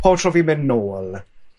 pob tro fi'n mynd nôl